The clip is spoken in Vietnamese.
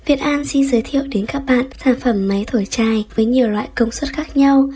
việt an xin giới thiệu đến các bạn sản phẩm máy thổi chai với nhiều loại công suất khác nhau